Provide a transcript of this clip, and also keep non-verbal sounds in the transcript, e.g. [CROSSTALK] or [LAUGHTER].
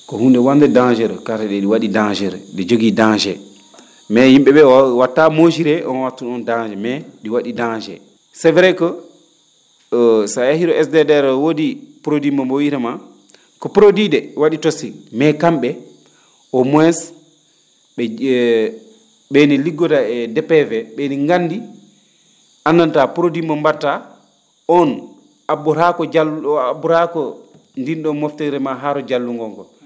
ko hunnde wa?de dangereux kare ?ee ?i wa?i dangereux ?i jogii dangé mais yim?e ?ee wattaa mesuré oon wattu oon dangé mais ?i wa?i dangé c' est que [HESITATION] so a yahii ro SDD roo woodi produit mbo mbo wiiramaa ko produit de wa?i toxique mais kam?e au moins ?e ?e ?eenin liggoda e DPV ?eenin ngandi anndantaa produit mbo mbattaa oon abboraako jallu?o o abboraako ndiin ?oon mofteeri maa haa ro jallugol ngol